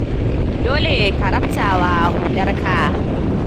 Dole ka rankwafa hular ka.